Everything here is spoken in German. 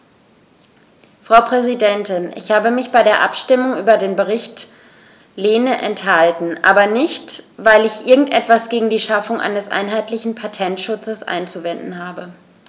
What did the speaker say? Frau Präsidentin, ich habe mich bei der Abstimmung über den Bericht Lehne enthalten, aber nicht, weil ich irgend etwas gegen die Schaffung eines einheitlichen Patentschutzes einzuwenden habe.